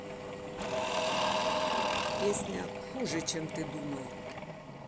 песня хуже чем ты думал